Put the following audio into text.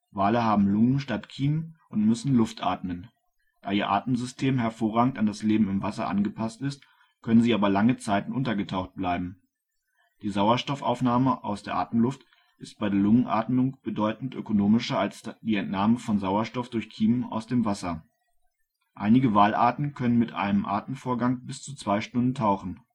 Wale haben Lungen statt Kiemen und müssen Luft atmen. Da ihr Atemsystem hervorragend an das Leben im Wasser angepasst ist, können sie aber lange Zeiten untergetaucht bleiben. Die Sauerstoffaufnahme aus der Atemluft ist bei der Lungenatmung bedeutend ökonomischer als die Entnahme von Sauerstoff durch Kiemen aus dem Wasser. Einige Walarten können mit einem Atemvorgang bis zu zwei Stunden tauchen